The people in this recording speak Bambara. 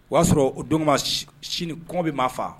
O y'a sɔrɔ o don sini kɔn bɛ ma faa